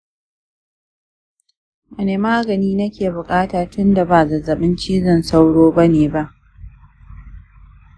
wane magani nake buƙata tunda ba zazzaɓin cizon sauro ba ne ba?